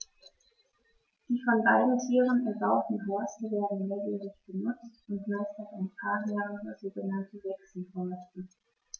Die von beiden Tieren erbauten Horste werden mehrjährig benutzt, und meist hat ein Paar mehrere sogenannte Wechselhorste.